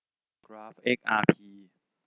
กราฟเอ็กอาร์พี